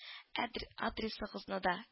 —әдр адресыгызны да